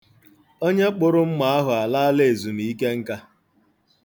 Onye kpụrụ mma ahụ alaala ezumike nka.